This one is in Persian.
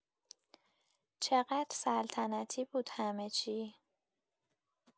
چقدر سلطنتی بود همه چی